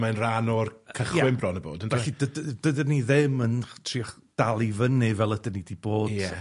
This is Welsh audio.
Mae'n rhan o'r cychwyn bron a bod, ynde? Felly, d- d- dydyn ni ddim yn ch- trio ch- dal i fyny fel ydyn ni di bod. Ie.